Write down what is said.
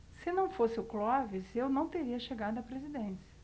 se não fosse o clóvis eu não teria chegado à presidência